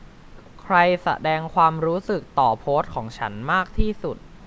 ใครแสดงความรู้สึกต่อโพสต์ของฉันมากที่สุด